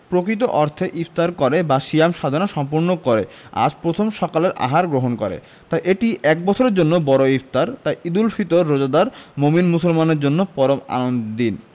প্রকৃত অর্থে ইফতার করে বা সিয়াম সাধনা সম্পূর্ণ করে আজ প্রথম সকালের আহার গ্রহণ করে তাই এটি এক বছরের জন্য বড় ইফতার তাই ঈদুল ফিতর রোজাদার মোমিন মুসলিমের জন্য পরম আনন্দের দিন